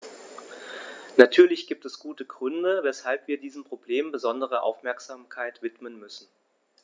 Natürlich gibt es gute Gründe, weshalb wir diesem Problem besondere Aufmerksamkeit widmen müssen.